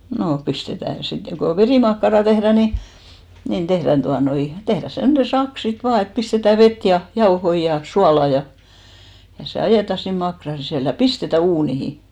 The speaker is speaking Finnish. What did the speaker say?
no pistetään sitten kun verimakkaraa tehdään niin niin tehdään tuota noin tehdään semmoinen sakka sitten vain että pistetään vettä ja jauhoja ja suolaa ja ja se ajetaan sinne makkaran sisälle ja pistetään uuniin